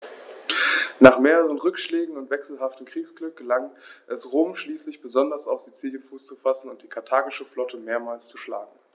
Nach mehreren Rückschlägen und wechselhaftem Kriegsglück gelang es Rom schließlich, besonders auf Sizilien Fuß zu fassen und die karthagische Flotte mehrmals zu schlagen.